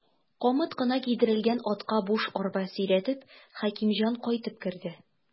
Камыт кына кидерелгән атка буш арба сөйрәтеп, Хәкимҗан кайтып керде.